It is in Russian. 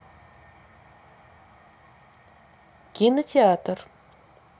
кинотеатр